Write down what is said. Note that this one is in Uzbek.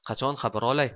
qachon xabar olay